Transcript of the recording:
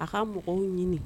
A ka mɔgɔw ɲini